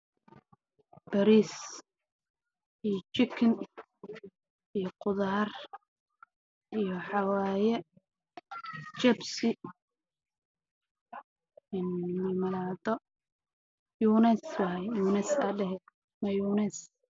Wa saxan cadaan waxaa ku jira bariis iyo hilib